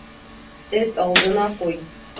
Эт алдына куй.